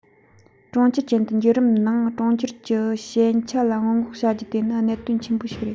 གྲོང ཁྱེར ཅན དུ འགྱུར རིམ ནང གྲོང ཁྱེར གྱི ཞན ཆ ལ སྔོན འགོག བྱ རྒྱུ དེ ནི གནད དོན ཆེན པོ ཞིག རེད